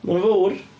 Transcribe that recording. Maen nhw'n fawr.